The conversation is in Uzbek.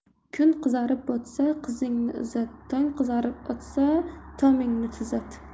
kun qizarib botsa qizingni uzat tong qizarib otsa tomingni tuzat